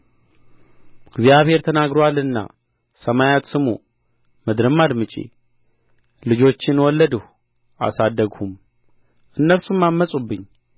እግዚአብሔር ተናግሮአልና ሰማያት ስሙ ምድርም አድምጪ ልጆችን ወለድሁ አሳደግሁም እነርሱም አመጹብኝ